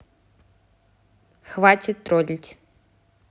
хватит троллить